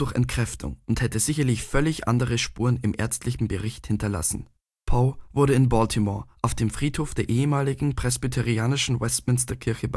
Entkräftung und hätte sicherlich völlig andere Spuren im ärztlichen Bericht hinterlassen. Poe wurde in Baltimore auf dem Friedhof der ehemaligen presbyterianischen Westminster Kirche